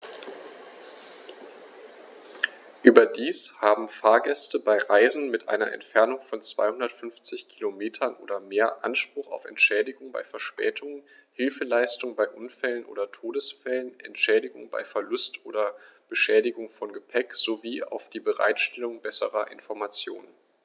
Überdies haben Fahrgäste bei Reisen mit einer Entfernung von 250 km oder mehr Anspruch auf Entschädigung bei Verspätungen, Hilfeleistung bei Unfällen oder Todesfällen, Entschädigung bei Verlust oder Beschädigung von Gepäck, sowie auf die Bereitstellung besserer Informationen.